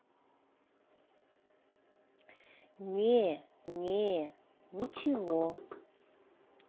не не ничего